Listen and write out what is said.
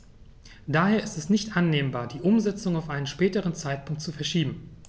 Daher ist es nicht annehmbar, die Umsetzung auf einen späteren Zeitpunkt zu verschieben.